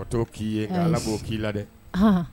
Tɔ k'i ye ala'o k'i la dɛ